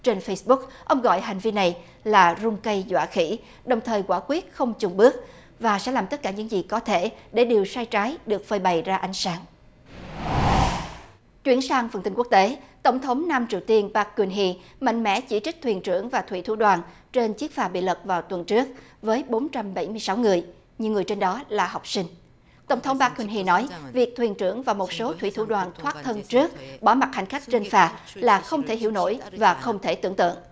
trên phât sự búc ông gọi hành vi này là rung cây dọa khỉ đồng thời quả quyết không chùn bước và sẽ làm tất cả những gì có thể để điều sai trái được phơi bày ra ánh sáng chuyển sang phần tin quốc tế tổng thống nam triều tiên bác gưn hi mạnh mẽ chỉ trích thuyền trưởng và thủy thủ đoàn trên chiếc phà bị lật vào tuần trước với bốn trăm bảy mươi sáu người nhiều người trên đó là học sinh tổng thống mác gưn hi nói việc thuyền trưởng và một số thủy thủ đoàn thoát thân trước bỏ mặc hành khách trên phà là không thể hiểu nổi và không thể tưởng tượng